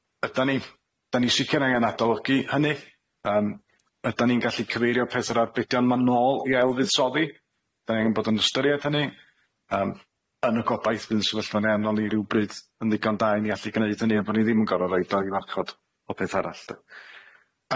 Yda ni? Da ni sicr angen adologu hynny yym ydan ni'n gallu cyfeirio petha'r arbedion 'ma nôl i ailfyddsoddi, da ni angen bod yn ystyried hynny yym yn y gobaith by'n sefyllfa'n anianol ni rywbryd yn ddigon da i ni allu gneud hynny ond bo' ni ddim yn gor'od roid o i warchod popbeth arall 'de?